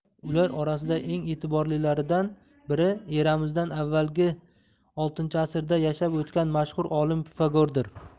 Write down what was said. ular orasida eng e'tiborlilaridan biri eramizdan avvalgi vi asrda yashab o'tgan mashhur olim pifagordir